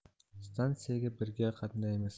stansiyaga birga qatnaymiz